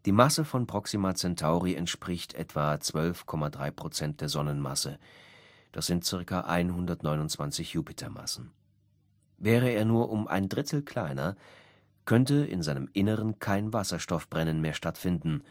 Masse von Proxima Centauri entspricht etwa 12,3 % der Sonnenmasse (ca. 129 Jupitermassen). Wäre er nur um ein Drittel kleiner, könnte in seinem Inneren kein Wasserstoffbrennen mehr stattfinden